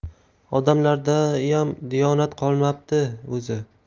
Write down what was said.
odamlardayam diyonat qolmapti o'zi